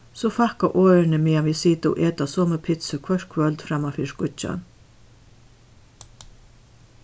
so fækka orðini meðan vit sita og eta somu pitsu hvørt kvøld framman fyri skíggjan